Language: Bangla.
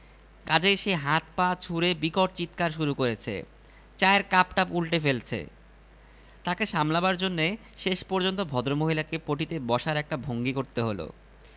মাঝে মধ্যেই যেতাম তার বাসায় সাহিত্য তার উদ্দেশ্য এইসব নিয়ে উচ্চমার্গের কথাবার্তা হত সেদিনও তার বাসায় গিয়েছি বাংলাদেশে কেন